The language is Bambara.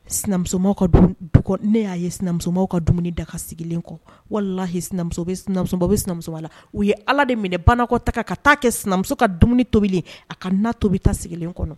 Sinamuso ka ne y'a ye sinamuso ka dumuni daga sigilen kɔ wala sina sina sinamuso u ye ala de minɛ banakɔ ta ka taa kɛ sinamuso ka dumuni tobili a ka na tobi ta sigilen kɔnɔ